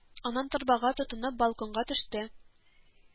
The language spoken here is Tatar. Аннан торбага тотынып балконга төште